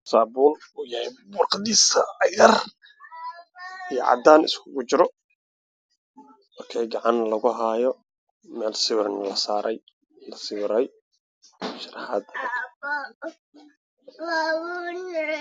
Saabuun oo yahay warqadiisa ah iyo cadaan isugu jiro oo gacan lagu hayo meel si sawir la saray la sawiray sharaxaad leh